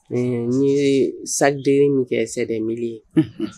ɛɛ n ye sac de riz min kɛ c'est des milliers unhun.